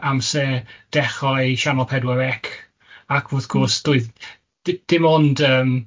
amser dechrau Sianel Pedwar Ec ac wrth gwrs doedd d- dim ond yym